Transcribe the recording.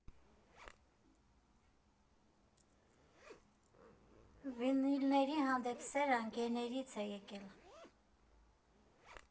Վինիլների հանդեպ սերը ընկերներից է եկել։